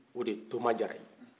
o de ye toma jara ye